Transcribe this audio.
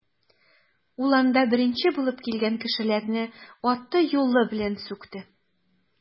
Ул анда беренче булып килгән кешеләрне аты-юлы белән сүкте.